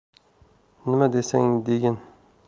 nima desang degin